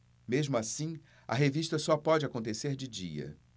mesmo assim a revista só pode acontecer de dia